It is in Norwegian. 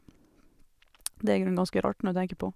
Det er i grunnen ganske rart når du tenker på...